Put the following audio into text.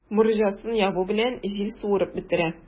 Морҗасын ябу белән, җил суырып бетерә.